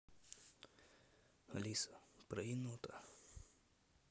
алиса про енота